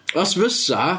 Os fysa...